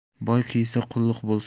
boy kiysa qulluq bo'lsin